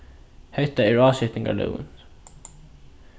hetta er ásetingarlógin